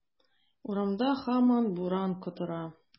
Урамда һаман буран котыра.